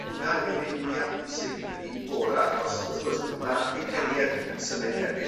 hwnna yw'r un mwya pwysig fi'n credu i Bora achos wrth gwrs ma' Pete Kennaugh yn symud hefyd...